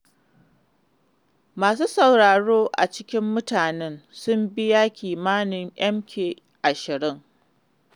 Masu sauraro a cikin mutanen sun biya kimanin MK 20.